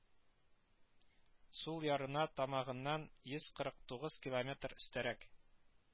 Сул ярына тамагыннан йөз кырык тугыз километр өстәрәк